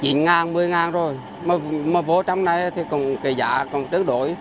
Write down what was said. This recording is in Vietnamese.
chín ngàn mười ngàn rồi mà mà vô trong này thì cũng cái giá tương đối